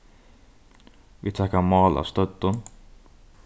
vit taka mál av støddum